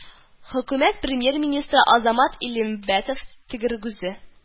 Хөкүмәт Премьер-министры Азамат Илембәтов тергезү